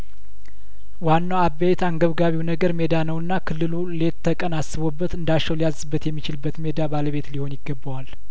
ዋናው አበይት አንገብጋቢው ነገር ሜዳ ነውና ክልሉ ሌት ተቀን አስቦበት እንዳሻው ሊያዝበት የሚችልበት ሜዳ ባለቤት ሊሆን ይገባዋል